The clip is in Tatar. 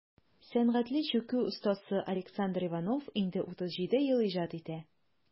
Сәнгатьле чүкү остасы Александр Иванов инде 37 ел иҗат итә.